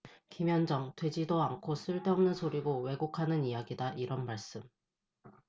김현정 되지도 않고 쓸데없는 소리고 왜곡하는 이야기다 이런 말씀